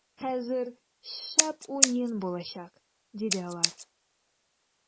- хәзер шәп уен булачак, - диде алар.